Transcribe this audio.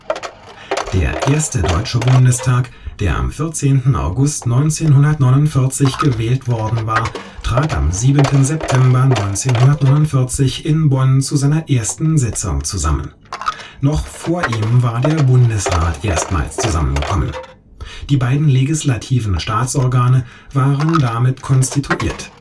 Der 1. Deutsche Bundestag, der am 14. August 1949 gewählt worden war, trat am 7. September 1949 in Bonn zu seiner ersten Sitzung zusammen. Noch vor ihm war der Bundesrat erstmals zusammengekommen. Die beiden legislativen Staatsorgane waren damit konstituiert